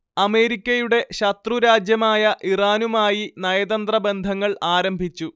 അമേരിക്കയുടെ ശത്രുരാജ്യമായ ഇറാനുമായി നയതന്ത്ര ബന്ധങ്ങൾ ആരംഭിച്ചു